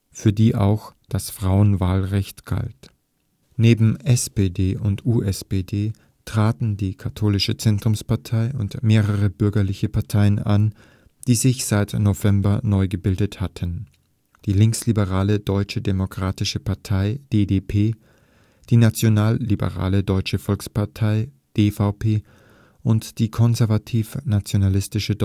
für die auch das Frauenwahlrecht galt. Neben SPD und USPD traten die katholische Zentrumspartei und mehrere bürgerliche Parteien an, die sich seit November neu gebildet hatten: die linksliberale Deutsche Demokratische Partei (DDP), die nationalliberale Deutsche Volkspartei (DVP) und die konservativ-nationalistische